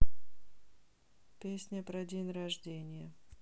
песня про день рождения